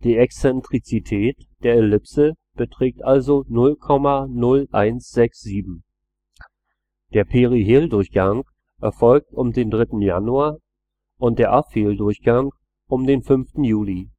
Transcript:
Exzentrizität der Ellipse beträgt also 0,0167. Der Perihel-Durchgang erfolgt um den 3. Januar und der Aphel-Durchgang um den 5. Juli